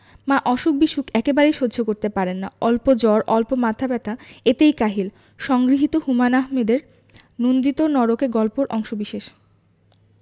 মা অসুখ বিসুখ একেবারেই সহ্য করতে পারেন না অল্প জ্বর অল্প মাথা ব্যাথা এতেই কাহিল সংগৃহীত হুমায়ুন আহমেদের নন্দিত নরকে গল্প অংশবিশেষ